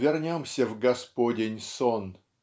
вернемся в Господень сон.